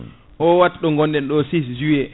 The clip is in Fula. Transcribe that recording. o wattu ɗo gonɗen 6 juillet